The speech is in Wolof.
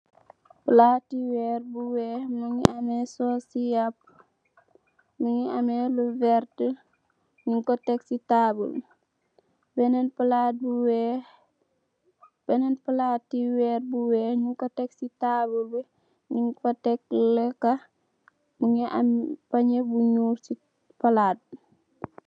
Palaati weer bu weex, mu ngi amee soos i yaapu. Mu ngi amee lu werta, ñung ko tek si taabul. Benen palaat bu weer bu weex ñung ko tek si taabul bi, ñung fa tek leekë, mu ngi am paññe bu ñuul si palaat bi